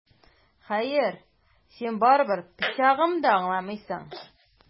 Хәер, син барыбер пычагым да аңламассың!